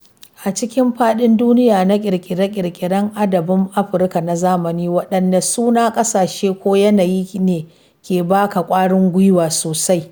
A cikin fadin duniya na kirkire-kirkiren adabin Afirka na zamani, waɗanne suna, ƙasashe, ko yanayi ne ke ba ka kwarin gwiwa sosai?